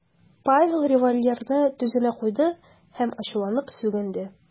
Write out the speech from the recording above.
Павел револьверны тезенә куйды һәм ачуланып сүгенде .